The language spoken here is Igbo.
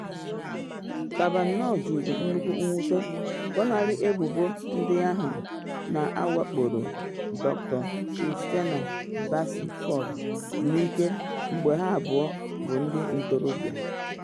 Kavanaugh jiri nnukwu mwute gọnarị ebubo ndị ahụ na ọ wakporo Dk. Christine Blasey Ford n’ike mgbe ha abụọ bụ ndị ntorobịa.